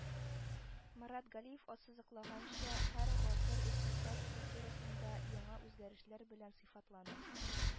Марат Галиев ассызыклаганча, һәр гасыр икътисад структурасында яңа үзгәрешләр белән сыйфатлана